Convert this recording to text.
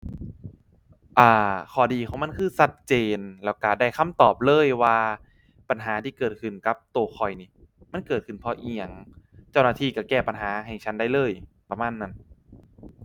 อ่า ข้อดีของมันคือชัดเจนแล้วชัดได้คำตอบเลยว่าปัญหาที่เกิดขึ้นกับชัดข้อยนี่มันเกิดขึ้นเพราะอิหยัง เจ้าหน้าที่ชัดแก้ปัญหาให้ฉันได้เลยประมาณนั้น